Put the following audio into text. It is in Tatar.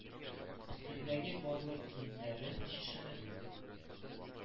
Өстендәге барлык киемнәрен, чишенеп,